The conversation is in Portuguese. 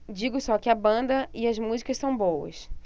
digo só que a banda e a música são boas